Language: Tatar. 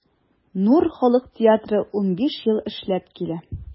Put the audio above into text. “нур” халык театры 15 ел эшләп килә.